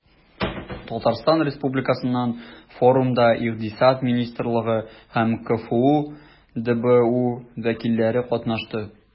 Татарстан Республикасыннан форумда Икътисад министрлыгы һәм КФҮ ДБУ вәкилләре катнашты.